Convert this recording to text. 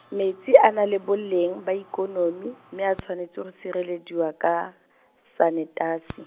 metsi a na le boleng ba ikonomi, mme a tshwanetse go sirelediwa ka, sanetasi.